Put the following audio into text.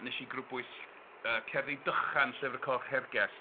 Wnes i grybwyll, yy, cerddi dychan Llyfr Coch Hergest.